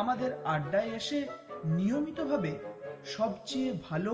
আমাদের আড্ডায় এসে নিয়মিতভাবে সবচেয়ে ভালো